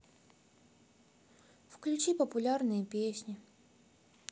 включи популярные песни